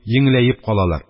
Йиңеләеп калалар.